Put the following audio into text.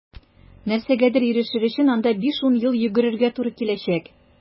Нәрсәгәдер ирешер өчен анда 5-10 ел йөгерергә туры киләчәк.